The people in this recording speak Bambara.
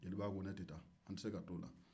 jeliba ko ne tɛ taa